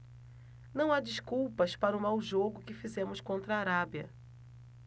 não há desculpas para o mau jogo que fizemos contra a arábia